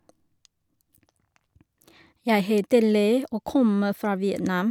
Jeg heter Le og kommer fra Vietnam.